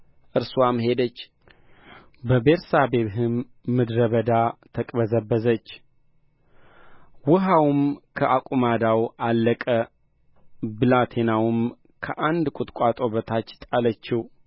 እርስዋም ሄደች በቤርሳቤህም ምድረ በዳ ተቅበዘበዘች ውኃውም ከአቁማዳው አለቀ ብላቴናውንም ከአንድ ቍጥቋጦ በታች ጣለችው